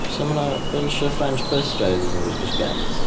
So ma 'na bunch o French bus-drivers yn gwisgo sgerts?